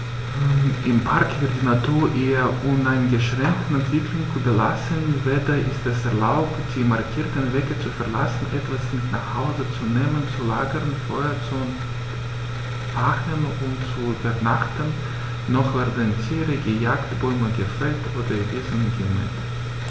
Im Park wird die Natur ihrer uneingeschränkten Entwicklung überlassen; weder ist es erlaubt, die markierten Wege zu verlassen, etwas mit nach Hause zu nehmen, zu lagern, Feuer zu entfachen und zu übernachten, noch werden Tiere gejagt, Bäume gefällt oder Wiesen gemäht.